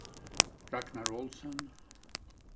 ragnar olsen